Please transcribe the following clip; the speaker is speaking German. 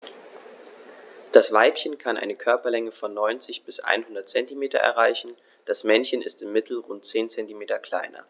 Das Weibchen kann eine Körperlänge von 90-100 cm erreichen; das Männchen ist im Mittel rund 10 cm kleiner.